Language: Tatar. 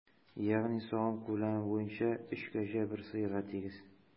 Ягъни савым күләме буенча өч кәҗә бер сыерга тигез.